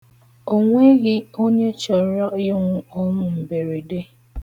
Ọnweghị onye chọrọ ịnwụ ọnwụ mberede.